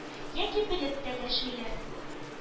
Яки белеп тә дәшмиләр.